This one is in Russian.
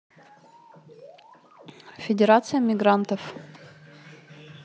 федерация мигрантов